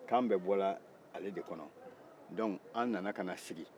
kan bɛɛ bɔra ale de kɔnɔ o la an nana ka na sigi